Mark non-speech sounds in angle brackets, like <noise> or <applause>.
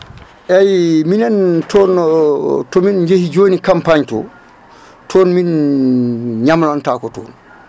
eyyi minen toon <hesitation> tomin jeehi joni campagne to toon min ñamlontako toon